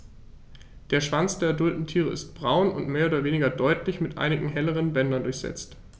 Der Schwanz der adulten Tiere ist braun und mehr oder weniger deutlich mit einigen helleren Bändern durchsetzt.